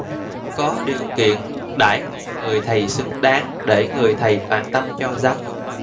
có điều kiện đãi ngộ người thầy xứng đáng để người thầy toàn tâm cho giáo dục